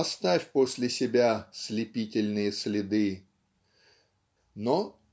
Оставь после себя слепительные следы. Но